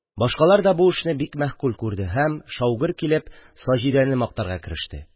Башкалар да бу эшне бик мәгъкүл күрде һәм шау-гөр килеп Саҗидәне мактарга кереште.